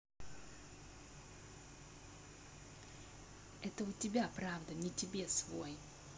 это у тебя правда не тебе свой